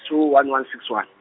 two one one six one.